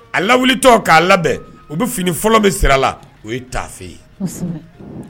A lawutɔ k'a labɛn u bɛ fini fɔlɔ min sira la o ye taafe ye